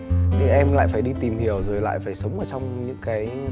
thì em lại phải đi tìm hiểu rồi lại phải sống ở trong những cái